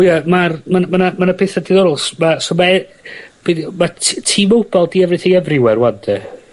O ie ma'r ma' 'na ma' 'na ma' 'na petha diddorol so ma' so ma' e be' 'di o ma' t- tee mobile 'di everything everywhere rŵan 'te?